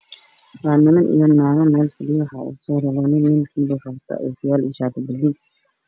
Waa ninam io nag meel fadhiyo waxa uso horeyo labo nin mid wax oow wata o kiyalo io shaati balog ah